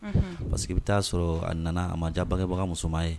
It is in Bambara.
Unhun parce que i be taa sɔrɔ a nana a ma ja bangebaga musoman ye